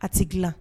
A tɛ dilan